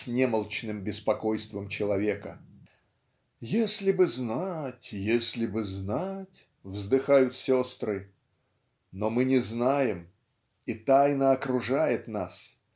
с немолчным беспокойством человека. "Если бы знать. если бы знать. "- вздыхают сестры. Но мы не знаем. И тайна окружает нас.